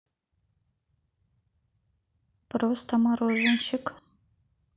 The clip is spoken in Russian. просто мороженщик